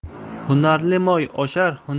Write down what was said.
hunarli moy oshar